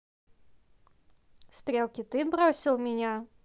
стрелки ты бросил меня